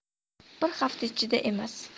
bir hafta ichida emas